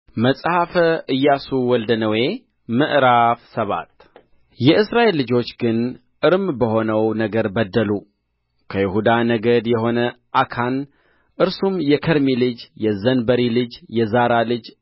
መጽሐፈ ኢያሱ ወልደ ነዌ ምዕራፍ ሰባት የእስራኤል ልጆች ግን እርም በሆነው ነገር በደሉ ከይሁዳ ነገድ የሆነ አካን እርሱም የከርሚ ልጅ የዘንበሪ ልጅ የዛራ ልጅ